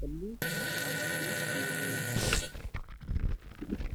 lagu talo